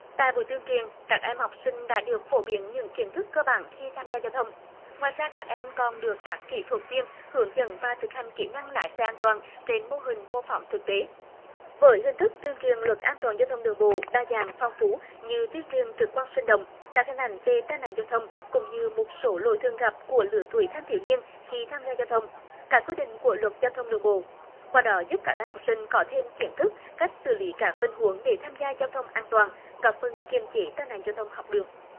tại buổi tuyên truyền các em học sinh đã được phổ biến những kiến thức cơ bản khi tham gia giao thông ngoài ra các em còn được các kỹ thuật viên hướng dẫn và thực hành kỹ năng lái xe an toàn trên mô hình mô phỏng thực tế với hình thức tuyên truyền luật an toàn giao thông đường bộ đa dạng phong phú như tuyên truyền trực quan sinh động các hình ảnh về tai nạn giao thông cũng như một số lỗi thường gặp của lứa tuổi thanh thiếu niên khi tham gia giao thông các quy định của luật giao thông đường bộ qua đó giúp các em học sinh có thêm kiến thức cách xử lý các tình huống để tham gia giao thông an toàn góp phần kiềm chế tai nạn giao thông học đường